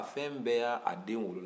fɛn bɛɛ b'a den wolo